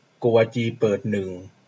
โกวาจีเปิดหนึ่ง